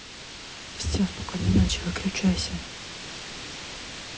все спокойной ночи выключайся